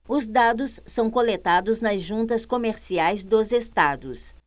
os dados são coletados nas juntas comerciais dos estados